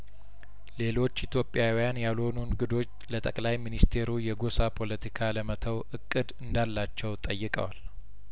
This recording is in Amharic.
ሌሎች ኢትዮጵያውያን ያልሆኑ እንግዶች ለጠቅላይ ሚኒስቴሩ የጐሳ ፖለቲካ ለመተው እቅድ እንዳላቸው ጠይቀዋል